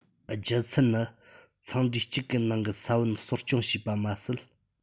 རྒྱུ མཚན ནི འཚང འབྲས གཅིག གི ནང གི ས བོན གསོ སྐྱོང བྱས པ མ ཟད